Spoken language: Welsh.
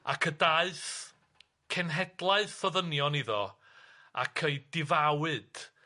Ac y daeth cenhedlaeth o ddynion iddo ac ei difawyd